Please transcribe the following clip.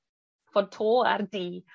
ch'od to ar dŷ.